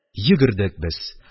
Йөгердек без.